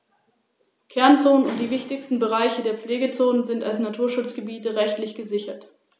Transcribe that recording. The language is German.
So erging es auch Griechenland und der neuen römischen Provinz Africa nach der Zerstörung Karthagos, welches vor dem Dritten Punischen Krieg wieder an Macht gewonnen hatte.